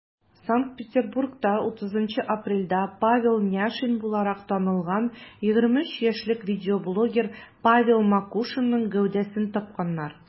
Санкт-Петербургта 30 апрельдә Павел Няшин буларак танылган 23 яшьлек видеоблогер Павел Макушинның гәүдәсен тапканнар.